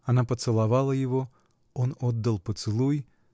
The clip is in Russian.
Она поцеловала его, он отдал поцелуй.